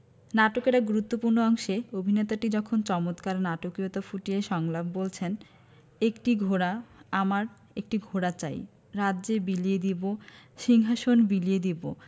নাটকের এক গুরুত্তপূ্র্ণ অংশে অভিনেতাটি যখন চমৎকার নাটকীয়তা ফুটিয়ে সংলাপ বলছেন একটি ঘোড়া আমার একটি ঘোড়া চাই রাজ্য বিলিয়ে দেবো সিংহাশন বিলিয়ে দেবো